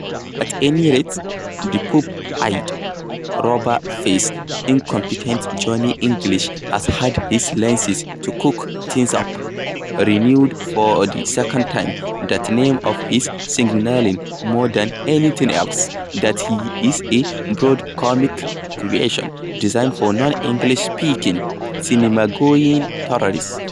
At any rate, the pop-eyed, rubber-faced incompetent Johnny English has had his license to cock things up renewed for the second time - that name of his signaling more than anything else that he is a broad comic creation designed for non-English-speaking cinemagoing territories.